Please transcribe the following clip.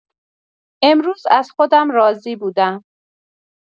امروز از خودم راضی بودم